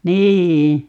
niin